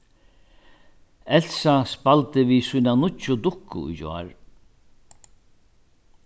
elsa spældi við sína nýggju dukku í gjár